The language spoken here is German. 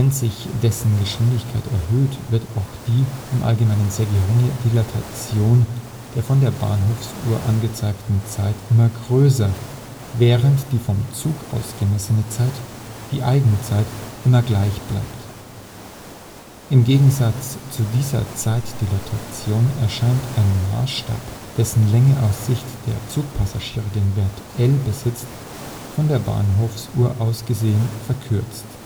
sich dessen Geschwindigkeit erhöht, wird auch die (i.a. sehr geringe) Dilatation der von der Bahnhofsuhr angezeigten Zeit immer größer, während die vom Zug aus gemessene Zeit (die Eigenzeit) immer gleich bleibt. Im Gegensatz zu dieser Zeitdilatation erscheint ein Maßstab, dessen Länge aus Sicht der Zugpassagiere den Wert L besitzt, von der Bahnhofsuhr aus gesehen, verkürzt